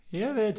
Ie 'fyd?